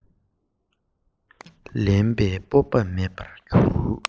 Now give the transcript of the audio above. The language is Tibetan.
ལེན པའི སྤོབས པ མེད པར གྱུར